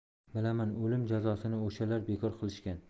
bilaman o'lim jazosini o'shalar bekor qilishgan